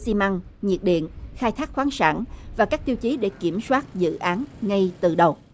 xi măng nhiệt điện khai thác khoáng sản và các tiêu chí để kiểm soát dự án ngay từ đầu